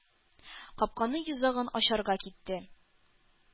Капканың йозагын ачарга китте.